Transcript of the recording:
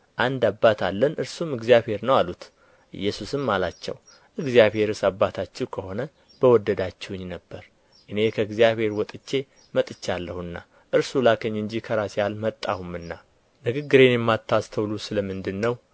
አንድ አባት አለን እርሱም እግዚአብሔር ነው አሉት ኢየሱስም አላቸው እግዚአብሔርስ አባታችሁ ከሆነ በወደዳችሁኝ ነበር እኔ ከእግዚአብሔር ወጥቼ መጥቻለሁና እርሱ ላከኝ እንጂ ከራሴ አልመጣሁምና ንግግሬን የማታስተውሉ ስለ ምንድር ነው